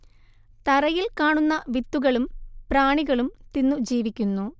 തറയിൽ കാണുന്ന വിത്തുകളും പ്രാണികളും തിന്നു ജീവിക്കുന്നു